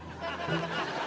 đi